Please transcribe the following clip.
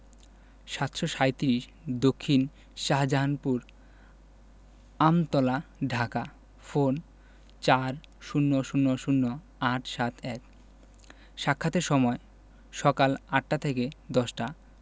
৭৩৭ দক্ষিন শাহজাহানপুর আমতলা ধাকা ফোনঃ ৪০০০৮৭১ সাক্ষাতের সময়ঃসকাল ৮টা থেকে ১০টা